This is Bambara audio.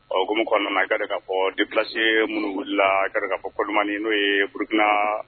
Ɔ komiumu kɔnɔna nana garip depse mun wulila la garip paulliman ni n'o ye burukina